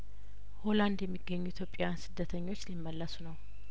ሆላንድ የሚገኙ ኢትዮጵያውያን ስደተኞች ሊመለሱ ነው